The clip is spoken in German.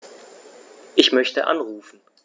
Ich möchte anrufen.